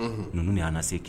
Numu de y'an segin